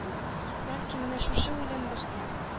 Бәлки, менә шушы үлем безгә